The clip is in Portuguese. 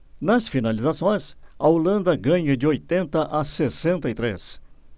nas finalizações a holanda ganha de oitenta a sessenta e três